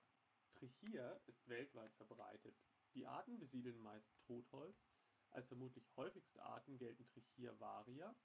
Trichia ist weltweit verbreitet, die Arten besiedeln meist Totholz. Als vermutlich häufigste Arten gelten Trichia varia